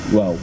waaw